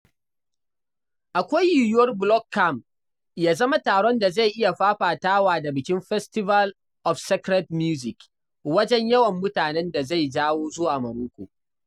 Akwai yiwuwar Blog Camp ya zama taron da zai iya fafatawa da bikin Festival of Sacred Music wajen yawan mutanen da zai jawo zuwa Morocco.